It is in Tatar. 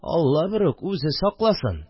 Алла берүк үзе сакласын